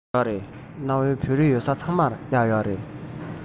ཡོད རེད གནའ བོའི བོད རིགས ཡོད ས ཚང མར གཡག ཡོད རེད